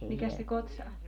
mikäs se kotsa oli